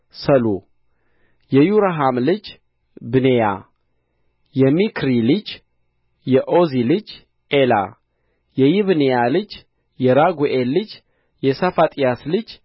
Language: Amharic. ሰሉ የይሮሐም ልጅ ብኔያ የሚክሪ ልጅ የኦዚ ልጅ ኤላ የዪብኒያ ልጅ የራጉኤል ልጅ የሰፋጥያስ ልጅ